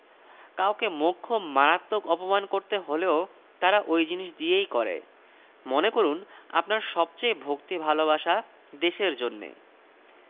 জিদের জিগরে জোর চোট লাগল তিনি স্থির করলেন এদের একটা শিক্ষা দিতে হবে কাগজে বিজ্ঞাপন বেরল জিদ তাঁর লাইব্রেরিখানা নিলামে বেচে দেবেন বলে মনস্থির করেছেন